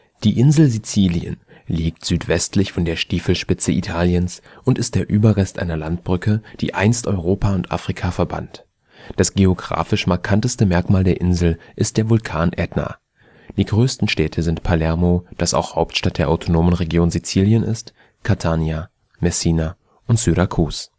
Die Insel Sizilien liegt südwestlich vor der „ Stiefelspitze “Italiens und ist der Überrest einer Landbrücke, die einst Europa und Afrika verband. Das geographisch markanteste Merkmal der Insel ist der Vulkan Ätna. Die größten Städte sind Palermo, das auch Hauptstadt der Autonomen Region Sizilien ist, Catania, Messina und Syrakus